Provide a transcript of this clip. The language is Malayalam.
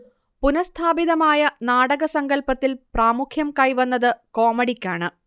പുനഃസ്ഥാപിതമായ നാടകസങ്കല്പത്തിൽ പ്രാമുഖ്യം കൈവന്നത് കോമഡിക്കാണ്